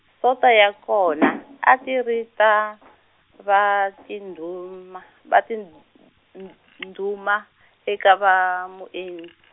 sonto ya kona a ti ri ta , va tiduma, va ti n- n- -nduma eka va, Mue-.